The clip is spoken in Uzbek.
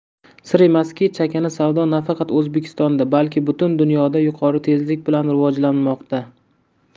sir emaski chakana savdo nafaqat o'zbekistonda balki butun dunyoda yuqori tezlik bilan rivojlanmoqda